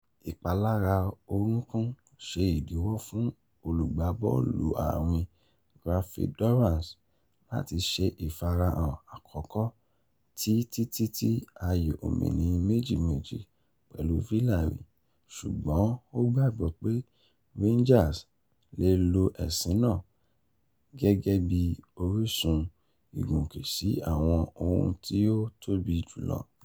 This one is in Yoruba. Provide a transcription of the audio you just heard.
Ìpalára orúkún ṣe ìdíwọ́ fún olùgbábọ́ọ̀lù àárín Grafield Dorrans lát ṣe ìfarahàn àkọ́kọ́ tí títí tí ayò ọ̀mìnì 2-2 pẹ̀lú Villarreal ṣùgbọ́n ó gbàgbó pé Rangers lè lo èsì náà gẹ́gẹ́ bí orísun ìgùnkè sí àwọn ohun tí ó tóbi jùlọ.